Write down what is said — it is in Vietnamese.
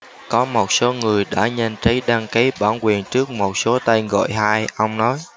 có một số người đã nhanh trí đăng ký bản quyền trước một số tên gọi hay ông nói